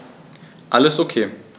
Alles OK.